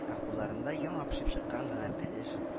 Ә кулларында яңа пешеп чыккан гына бәлеш